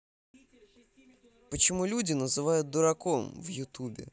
почему люди называют дураком в ютубе